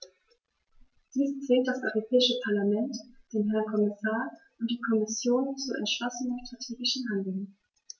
Dies zwingt das Europäische Parlament, den Herrn Kommissar und die Kommission zu entschlossenem strategischen Handeln.